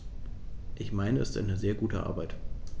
Ich meine, es ist eine sehr gute Arbeit.